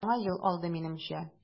Яңа ел алды, минемчә.